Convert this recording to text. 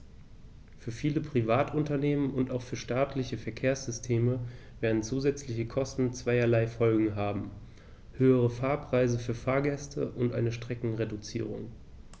Für viele Privatunternehmen und auch für staatliche Verkehrssysteme werden zusätzliche Kosten zweierlei Folgen haben: höhere Fahrpreise für Fahrgäste und eine Streckenreduzierung.